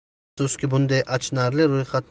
afsuski bunday achinarli ro'yxatni